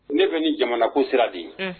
Ne bɛ jamana ko sira di